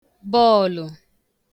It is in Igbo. bọọ̀lụ̀